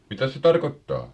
mitäs se tarkoittaa